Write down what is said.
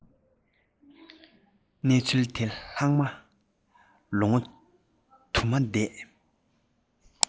གནས ཚུལ དེ ལྷགས ནས ལོ ངོ དུ མ འདས